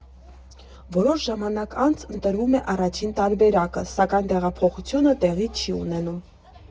Որոշ ժամանակ անց ընտրվում է առաջին տարբերակը, սակայն տեղափոխությունը տեղի չի ունենում։